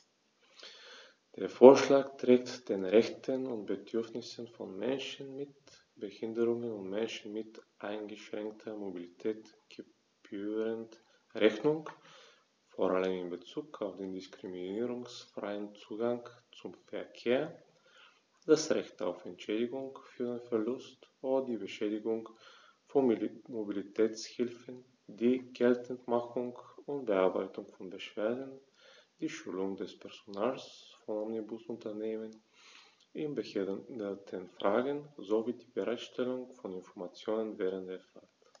Der Vorschlag trägt den Rechten und Bedürfnissen von Menschen mit Behinderung und Menschen mit eingeschränkter Mobilität gebührend Rechnung, vor allem in Bezug auf den diskriminierungsfreien Zugang zum Verkehr, das Recht auf Entschädigung für den Verlust oder die Beschädigung von Mobilitätshilfen, die Geltendmachung und Bearbeitung von Beschwerden, die Schulung des Personals von Omnibusunternehmen in Behindertenfragen sowie die Bereitstellung von Informationen während der Fahrt.